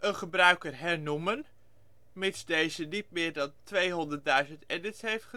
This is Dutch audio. gebruiker hernoemen (mits deze niet meer dan 200.000 edits heeft gedaan